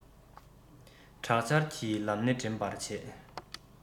དྲག ཆར གྱི ལམ སྣེ འདྲེན པར བྱེད